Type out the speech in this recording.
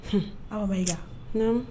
Aw bɛ i naamu